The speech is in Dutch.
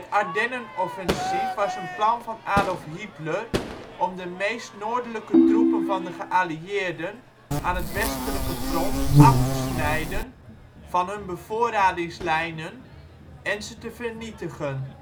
Ardennenoffensief was een plan van Adolf Hitler om de meest noordelijke troepen van de geallieerden aan het westelijke front af te snijden van hun bevoorradingslijnen en ze te vernietigen